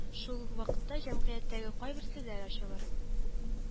Шул ук вакытта җәмгыятьтәге кайбер серләр, ачылыр